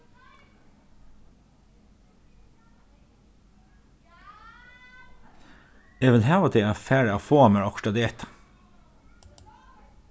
eg vil hava teg at fara at fáa mær okkurt at eta